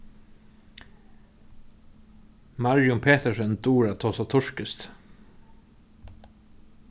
marjun petersen dugir at tosa turkiskt